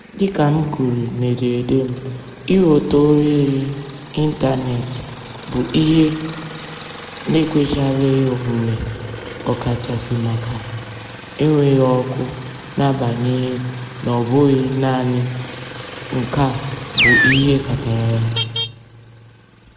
Dịka m kwuru n'ederede m [Fr], ịnweta ohere ịntanetị bụ ihe n'ekwechabeghị omume ọkachasị maka enweghị ọkụ n'agbanyeghị na ọbụghị naanị nke a bụ ihe kpatara ya.